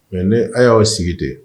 Mais n'a y'a sigi ten